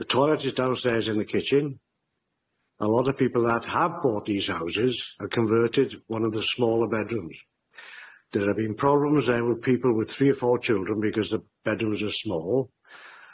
The toilet is downstairs in the kitchen. A lot of people that have bought these houses have converted one of the smaller bedrooms. There have been problems there with people with three or four children because the bedrooms are small.